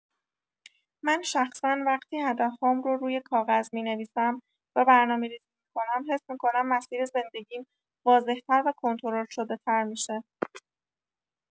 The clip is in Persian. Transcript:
من شخصا وقتی هدف‌هام رو روی کاغذ می‌نویسم و برنامه‌ریزی می‌کنم، حس می‌کنم مسیر زندگیم واضح‌تر و کنترل‌شده‌تر می‌شه.